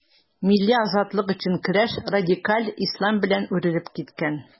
Милли азатлык өчен көрәш радикаль ислам белән үрелеп киткән.